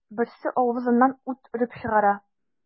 Берсе авызыннан ут өреп чыгара.